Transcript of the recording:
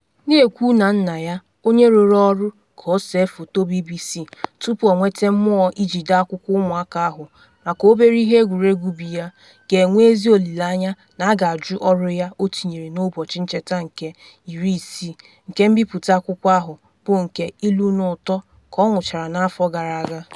Na ekwu na nna ya, onye rụrụ ọrụ ka ọsee foto BBC tupu ọ nweta mmụọ iji dee akwụkwọ ụmụaka ahụ maka obere ihe egwuregwu biya, ga-enwe ezi olile anya na a ga-ajụ ọrụ ya, o tinyere na ụbọchị ncheta nke 60 nke mbipụta akwụkwọ ahụ bụ nke “ilu na ụtọ” ka ọ nwụchara n’afọ gara aga.